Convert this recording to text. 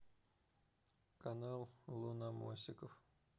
канал луномосиков